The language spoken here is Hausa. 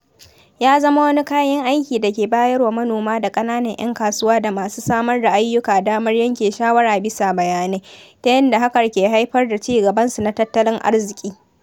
Ya zama wani kayan aiki da ke bayar wa manoma da ƙananan ‘yan kasuwa da masu samar da ayyuka damar yanke shawara bisa bayanai, ta yadda hakan ke haifar da cigabansu na tattalin arziƙi.